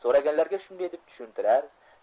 so'raganlarga shunday deb tushuntirar